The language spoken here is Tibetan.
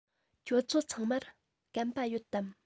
ཁྱོད ཚོ ཚང མར སྐམ པ ཡོད དམ